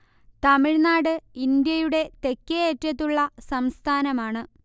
തമിഴ്നാട് ഇന്ത്യയുടെ തെക്കേയറ്റത്തുള്ള സംസ്ഥാനമാണ്